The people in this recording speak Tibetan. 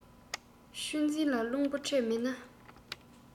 ཆུ འཛིན ལ རླུང བུ འཕྲད མེད ན